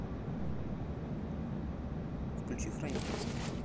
включи хранитель снов